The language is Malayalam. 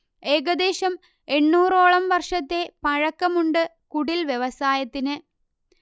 ഏകദേശം എണ്ണൂറോളം വർഷത്തെ പഴക്കമുണ്ട് കുടിൽവ്യവസായത്തിന്